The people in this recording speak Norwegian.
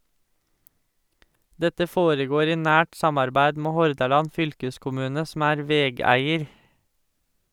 Dette foregår i nært samarbeid med Hordaland Fylkeskommune som er vegeier.